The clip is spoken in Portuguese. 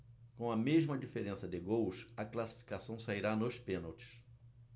com a mesma diferença de gols a classificação sairá nos pênaltis